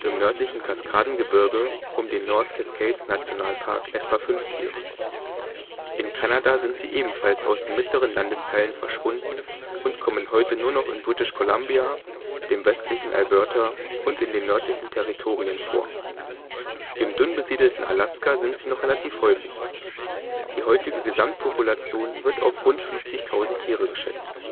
nördlichen Kaskadengebirge um den North-Cascades-Nationalpark etwa fünf Tiere. In Kanada sind sie ebenfalls aus den mittleren Landesteilen verschwunden und kommen heute nur noch in British Columbia, dem westlichen Alberta und in den nördlichen Territorien vor. Im dünn besiedelten Alaska sind sie noch relativ häufig. Die heutige Gesamtpopulation wird auf rund 50.000 Tiere geschätzt